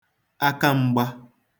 akam̄gbā